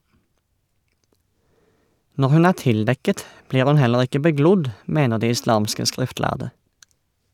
Når hun er tildekket, blir hun heller ikke beglodd , mener de islamske skriftlærde.